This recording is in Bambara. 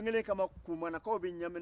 o don kelen kama kumalakaw bɛ ɲamina